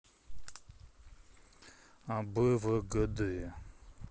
а б в г д